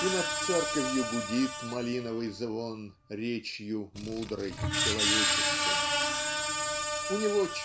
и над церковью "гудит малиновый звон речью мудрой, человеческой". У него